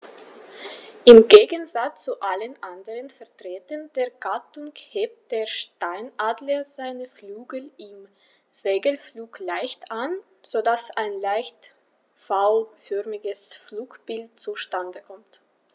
Im Gegensatz zu allen anderen Vertretern der Gattung hebt der Steinadler seine Flügel im Segelflug leicht an, so dass ein leicht V-förmiges Flugbild zustande kommt.